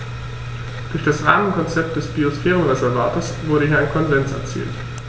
Durch das Rahmenkonzept des Biosphärenreservates wurde hier ein Konsens erzielt.